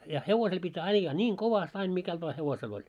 ja hevosella piti ajaa niin kovasti aina mikäli vain hevosella oli